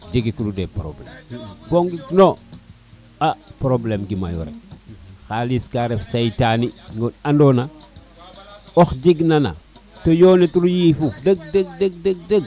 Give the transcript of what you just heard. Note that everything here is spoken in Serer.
jege diro probleme fogino a probleme ke mayo rek xalis ka ref seytaani we ando na os jig nana to yonitiro yifof deg deg deg